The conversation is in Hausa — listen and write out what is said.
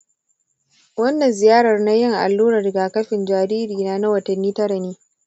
wannan ziyarar na yin allurar rigakafin jariri na na watanni tara neh.